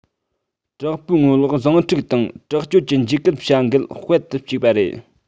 དྲག པོའི ངོ ལོག ཟིང འཁྲུག དང དྲག སྤྱོད ཀྱི འཇིགས སྐུལ བྱ འགུལ སྤེལ དུ བཅུག པ རེད